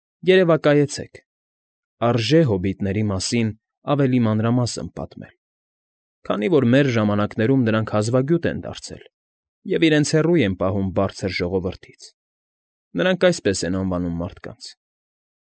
Երևակայեցեք, արժե հոբիտների մասին ավելի մանրամասն պատմել, քանի որ մեր ժամանակներում նրանք հազվագյուտ են դարձել և իրենց հեռու են պահում Բարձր ժողովրդից. նրանք արդպես են անվանում մարդկանց։